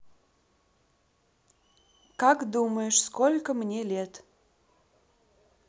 как думаешь сколько мне лет